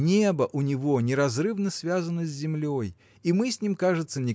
Небо у него неразрывно связано с землей и мы с ним кажется